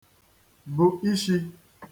bù ishi